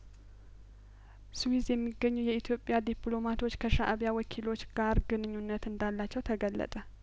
ስዊዝ የሚገኙ የኢትዮጵያ ዲፕሎማቶች ከሻእቢያ ወኪሎች ጋር ግንኙነት እንዳላቸው ተገለጠ